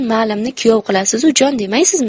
malimni kuyov qilasizu jon demaysizmi